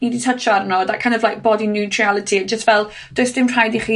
ni 'di tytchio arno that kind of like body neutriality, jyst fel, does dim rhaid i chi